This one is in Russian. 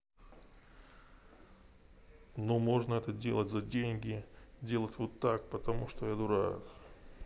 ну можно это делать за деньги делать вот так потому что я дурак